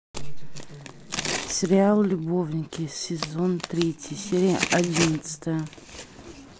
сериал любовники сезон третий серия одиннадцатая